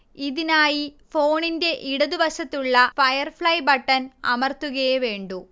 ഇതിനായി ഫോണിന്റെ ഇടതുവശത്തുള്ള ഫയർഫ്ളൈ ബട്ടൺ അമർത്തുകയേ വേണ്ടൂ